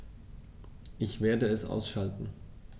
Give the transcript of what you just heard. Ich werde es ausschalten